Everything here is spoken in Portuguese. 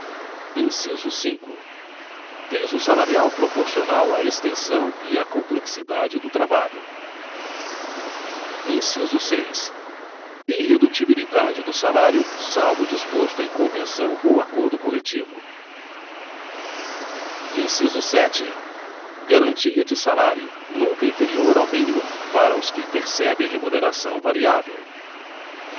inciso cinco piso salarial proporcional à extensão e à complexidade do trabalho inciso seis irredutibilidade do salário salvo o disposto em convenção ou acordo coletivo inciso sete garantia de salário nunca inferior ao mínimo para os que percebem remuneração variável